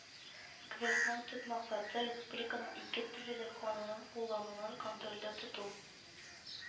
Квестның төп максаты республиканың икетеллелек канунын куллануны контрольдә тоту